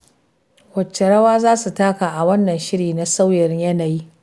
Wacce rawa za su taka a wannan shiri na sauyin yanayi?